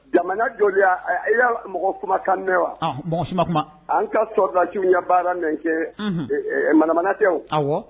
Jamana joli y'a mɔgɔ kumakan mɛn wa mɔgɔ an ka sɔdasiw ɲɛ baara kɛ manamana tɛ